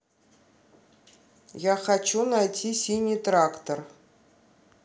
я хочу найти синий трактор